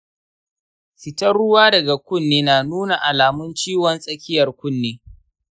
fitar ruwa daga kunne na nuna alamun ciwon tsakiyar kunne.